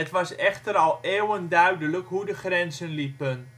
was echter al eeuwen duidelijk hoe de grenzen liepen